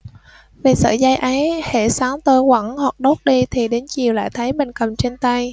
vì sợi dây ấy hễ sáng tôi quẳng hoặc đốt đi thì đến chiều lại thấy mình cầm trên tay